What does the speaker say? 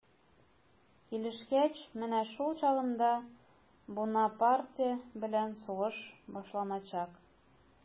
Килешкәч, менә шул чагында Бунапарте белән сугыш башланачак.